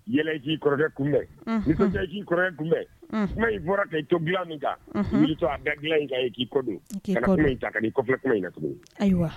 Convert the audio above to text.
Ɛlɛn'i kɔrɔɛ kunbɛnjii kɔrɔ kunbɛn kuma y' bɔra ka to bila min ta to a bɛ bila in kan k'i kɔdo ta ka kɔlɛ in na tugu